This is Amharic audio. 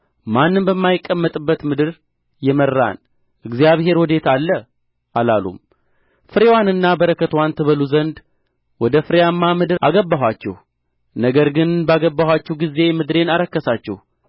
ማንም በማይቀመጥበት ምድር የመራን እግዚአብሔር ወዴት አለ አላሉም ፍሬዋንና በረከትዋንም ትበሉ ዘንድ ወደ ፍሬያማ ምድር አገባኋችሁ ነገር ግን በገባችሁ ጊዜ ምድሬን አረከሳችሁ